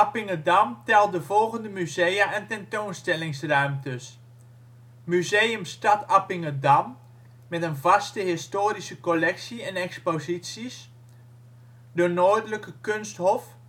telt de volgende musea en tentoonstellingsruimtes: Museum Stad Appingedam (vaste historische collectie en exposities) De Noordelijke Kunsthof